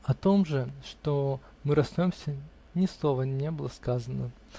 ; о том же, что мы расстаемся, ни слова не было сказано.